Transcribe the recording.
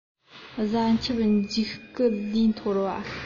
གཟའ ཁྱབ འཇུག སྐུ ལུས ཐོར བ